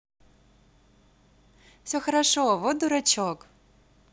все хорошо вот дурачок